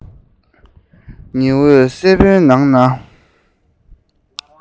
ཉི འོད སེར པོའི ནང ན མཆིལ མའི